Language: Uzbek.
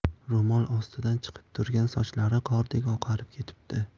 ro'moli ostidan chiqib turgan sochlari qordek oqarib ketibdi